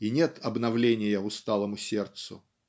и нет обновления усталому сердцу.